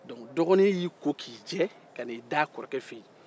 donke dɔgɔni y'i ko k'i jɛ ka n'i da kɔrɔkɛ fɛ yen